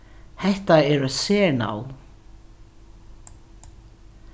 hetta er eitt sernavn